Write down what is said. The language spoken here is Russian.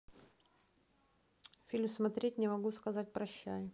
фильм смотреть не могу сказать прощай